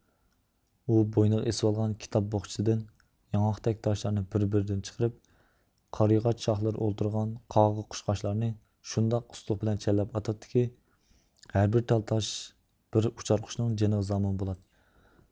ئۇ بوينىغا ئېسىۋالغان كىتاب بوخچىسىدىن ياڭاقتەك تاشلارنى بىر بىرىدىن چىقىرىپ قارىياغاچ شاخلىرىدا ئولتۇرغان قاغا قۇشقاچلارنى شۇنداق ئۇستىلىق بىلەن چەنلەپ ئاتاتتىكى ھەر بىر تال تاش بىر ئۇچار قۇشنىڭ جېنىغا زامىن بولاتتى